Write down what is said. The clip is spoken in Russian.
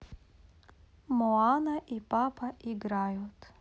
моана и папа играют